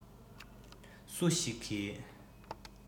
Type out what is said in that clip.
སུ ཞིག གིས